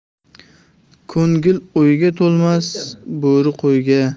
ko'ngil o'yga to'lmas bo'ri qo'yga